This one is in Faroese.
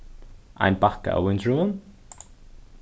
ein bakka av víndrúvum